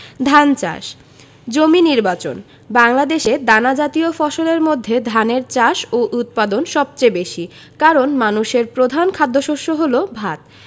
ধান চাষ জমি নির্বাচনঃ বাংলাদেশে দানাজাতীয় ফসলের মধ্যে ধানের চাষ ও উৎপাদন সবচেয়ে বেশি কারন মানুষের প্রধান খাদ্যশস্য হলো ভাত